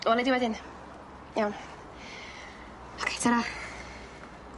Welai di wedyn. Iawn. Ocê tara.